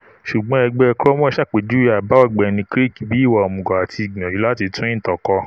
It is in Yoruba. Ṣùgbọ́n Ẹgbẹ́ Cromwell ṣàpèjúwe àbà Ọ̀gbẹ́ni Crick bíi ''ìwà òmùgọ̀'' àti ''ìgbìyànjú láti tún ìtàn kọ.''